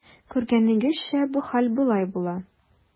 Күргәнегезчә, бу хәл болай була.